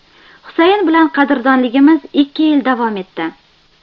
husayn bilan qadrdonligimiz ikki yil davom etdi